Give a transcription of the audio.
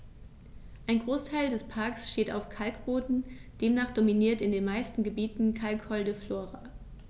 Ein Großteil des Parks steht auf Kalkboden, demnach dominiert in den meisten Gebieten kalkholde Flora.